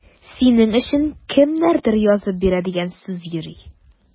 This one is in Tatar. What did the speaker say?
Синең өчен кемнәрдер язып бирә икән дигән сүз йөри.